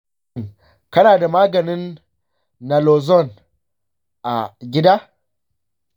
shin kana da maganin naloxone a gida?